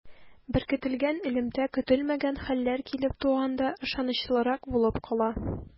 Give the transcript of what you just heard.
Беркетелгән элемтә көтелмәгән хәлләр килеп туганда ышанычлырак булып кала.